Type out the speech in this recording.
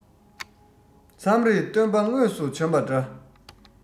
མཚམས རེར སྟོན པ དངོས སུ བྱོན པ འདྲ